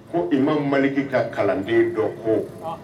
Ko imam Maliki ka kalanden dɔ ko ɔnhɔn